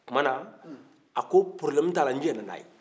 o tuma na a ko porobilɛmu t'a la n jiɲɛna n'a ye